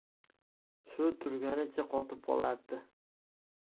shu turganicha qotib qolardi